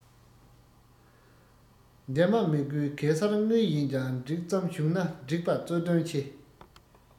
འདན མ མི དགོས གེ སར དངོས ཡིན ཀྱང འགྲིག ཙམ བྱུང ན འགྲིགས པ གཙོ དོན ཆེ